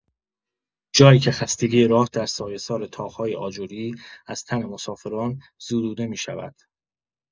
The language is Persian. جایی که خستگی راه در سایه‌سار طاق‌های آجری از تن مسافران زدوده می‌شود.